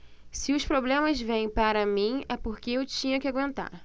se os problemas vêm para mim é porque eu tinha que aguentar